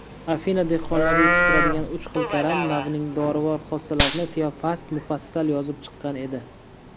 afina dehqonlari yetishtiradigan uch xil karam navining dorivor xossalarini teofast mufassal yozib chiqqan edi